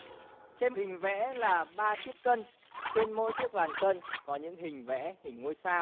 trên hình vẽ là ba chiếc cân trên mỗi chiếc bàn cân có những hình vẽ hình ngôi sao